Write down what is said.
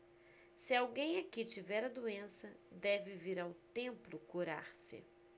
se alguém aqui tiver a doença deve vir ao templo curar-se